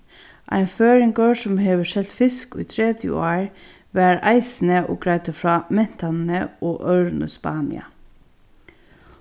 ein føroyingur sum hevur selt fisk í tretivu ár var eisini og greiddi frá mentanini og øðrum í spania